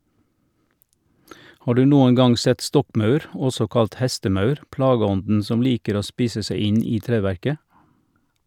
Har du noen gang sett stokkmaur , også kalt hestemaur, plageånden som liker å spise seg inn i treverket?